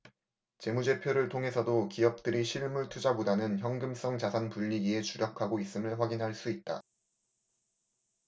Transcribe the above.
재무제표를 통해서도 기업들이 실물투자보다는 현금성 자산 불리기에 주력하고 있음을 확인할 수 있다